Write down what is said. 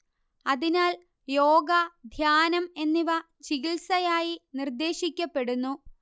അതിനാൽ യോഗ ധ്യാനം എന്നിവ ചികിത്സയായി നിർദ്ദേശിക്കപ്പെടുന്നു